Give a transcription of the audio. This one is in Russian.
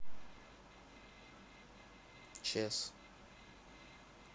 чес